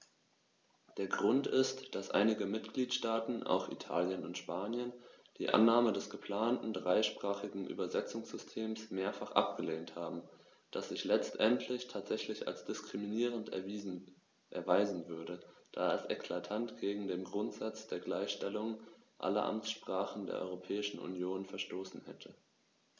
Der Grund ist, dass einige Mitgliedstaaten - auch Italien und Spanien - die Annahme des geplanten dreisprachigen Übersetzungssystems mehrfach abgelehnt haben, das sich letztendlich tatsächlich als diskriminierend erweisen würde, da es eklatant gegen den Grundsatz der Gleichstellung aller Amtssprachen der Europäischen Union verstoßen hätte.